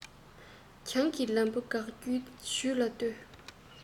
གྱོང གི ལམ བུ དགག རྒྱུའི བྱུས ལ ལྟོས